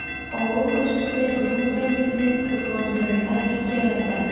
Авыл кешесе гомумән үзен кызгандырырга бик ярата.